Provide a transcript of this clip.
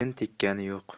jin tekkani yo'q